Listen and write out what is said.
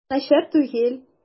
Начар түгел.